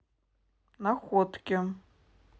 находки